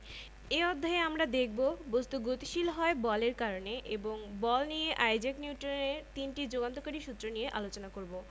এবং স্থির থাকতে চাইছে তাই শরীরের ওপরের অংশ পেছনের দিকে ঝাঁকুনি খাচ্ছে যেহেতু এটা স্থির থাকার জড়তা তাই এটাকে বলে স্থিতি জড়তা